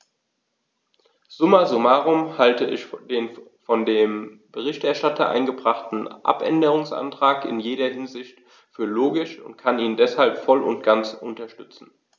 Summa summarum halte ich den von dem Berichterstatter eingebrachten Abänderungsantrag in jeder Hinsicht für logisch und kann ihn deshalb voll und ganz unterstützen.